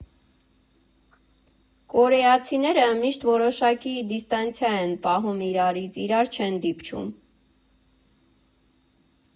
Կորեացիները միշտ որոշակի դիստանցիա են պահում իրարից, իրար չեն դիպչում։